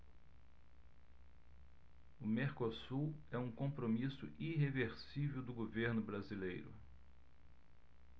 o mercosul é um compromisso irreversível do governo brasileiro